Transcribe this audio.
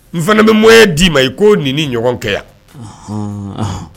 N fana bɛ mɔnyɛn d'i ma i ko nin ni ɲɔgɔn kɛ yan .